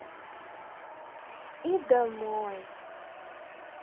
и домой